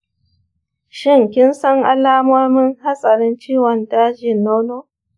shin kinsan alamomin hatsarin ciwon dajin nono?